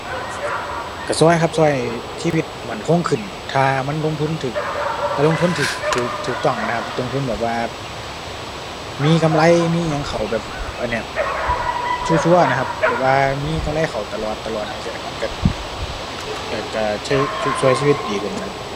ก็ก็ครับ ก็ให้ชีวิตมั่นคงขึ้น ถ้ามันลงทุนก็ ถ้าลงทุนก็ ก็ ก็ต้องอะนะครับ ลงทุนแบบว่า มีกำไร มีอิหยังเข้าแบบ อันเนี้ย ชัวร์ชัวร์นะครับ แบบว่ามีกำไรเข้าตลอดตลอดจั่งซี้ มันก็ ก็ ก็ ก็ชีวิตดีขึ้นครับ